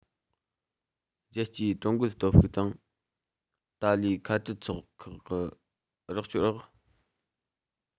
རྒྱལ སྤྱིའི ཀྲུང རྒོལ སྟོབས ཤུགས དང ཏཱ ལའི ཁ བྲལ ཚོགས ཁག གི རོགས སྐྱོར འོག